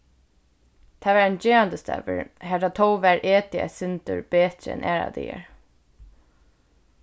tað var ein gerandisdagur har tað tó varð etið eitt sindur betri enn aðrar dagar